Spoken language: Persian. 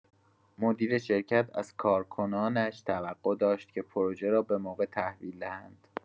مدیر شرکت از کارکنانش توقع داشت که پروژه را به‌موقع تحویل دهند.